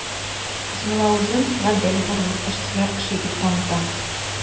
Хөснулла үзен гадел, горур, эшсөяр кеше итеп таныта.